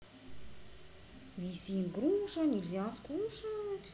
висит груша нельзя скушать